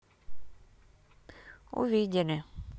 увидели